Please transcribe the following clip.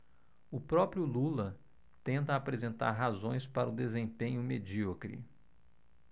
o próprio lula tenta apresentar razões para o desempenho medíocre